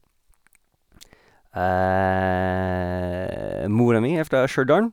Mora mi er fra Stjørdal.